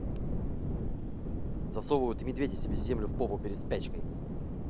засовывают и медведи себе землю в попу перед спячкой